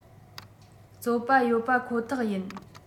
བརྩོད པ ཡོད པ ཁོ ཐག ཡིན